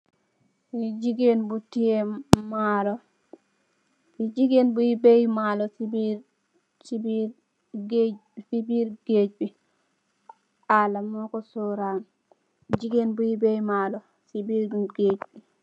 Li jigeen bu tiyeh maalo jigeen boi bei maalo si birr geege bi ala moko surround jigeen boi bei maalo si bir gaage bi.